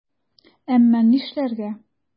Әмма нишләргә?!